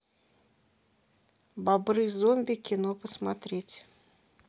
бобры зомби кино посмотреть